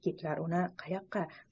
kitlar uni qayoqqa